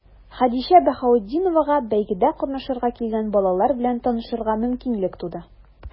Хәдичә Баһаветдиновага бәйгедә катнашырга килгән балалар белән танышырга мөмкинлек туды.